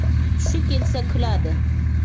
hushi kelsa kuladi